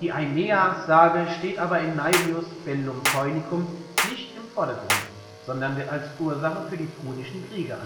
Aeneas-Sage steht aber in Naevius’ Bellum Poenicum nicht im Vordergrund, sondern wird als Ursache für die Punischen Kriege